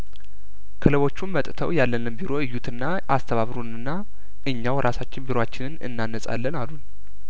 ክለቦቹም መጥተው ያለንን ቢሮ አዩትና አስተባብሩንና እኛው ራሳችን ቢሮአችንን እናነጻለን አሉን